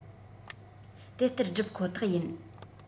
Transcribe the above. དེ ལྟར བསྒྲུབ ཁོ ཐག ཡིན